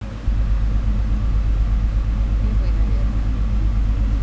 первый наверное